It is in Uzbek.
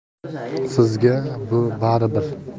sizga ku bari bir